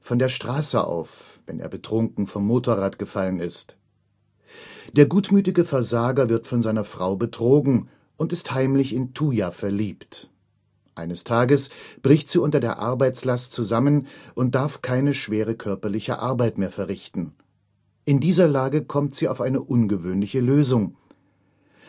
von der Straße auf, wenn er betrunken vom Motorrad gefallen ist. Der gutmütige Versager wird von seiner Frau betrogen und ist heimlich in Tuya verliebt. Eines Tages bricht sie unter der Arbeitslast zusammen und darf keine schwere körperliche Arbeit mehr verrichten. In dieser Lage kommt sie auf eine ungewöhnliche Lösung: